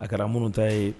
A kɛra minnu ta ye